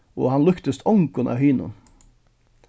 og hann líktist ongum av hinum